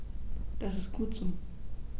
Das ist gut so.